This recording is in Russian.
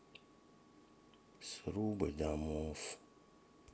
срубы домов